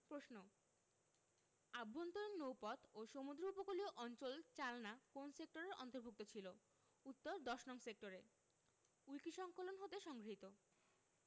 প্রশ্ন আভ্যন্তরীণ নৌপথ ও সমুদ্র উপকূলীয় অঞ্চল চালনা কোন সেক্টরের অন্তভু র্ক্ত ছিল উত্তরঃ ১০নং সেক্টরে উইকিসংকলন হতে সংগৃহীত